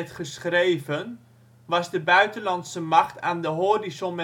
geschreven, was de buitenlandse macht aan de horizon